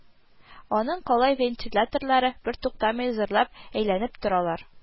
Аның калай вентиляторлары бертуктамый зырлап әйләнеп торалар